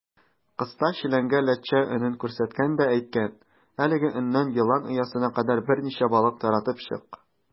Кысла челәнгә ләтчә өнен күрсәткән дә әйткән: "Әлеге өннән елан оясына кадәр берничә балык таратып чык".